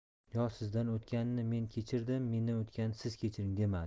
yo sizdan o'tganini men kechirdim mendan o'tganini siz kechiring demadi